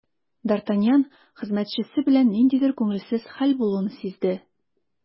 Д’Артаньян хезмәтчесе белән ниндидер күңелсез хәл булуын сизде.